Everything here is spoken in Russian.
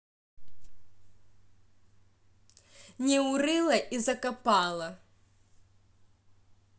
не урыла и закопала